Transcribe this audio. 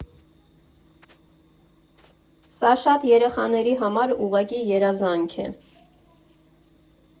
Սա շատ երեխաների համար ուղղակի երազանք է։